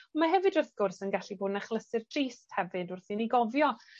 Ma' hefyd wrth gwrs yn gallu bod yn achlysur drist hefyd wrth i ni gofio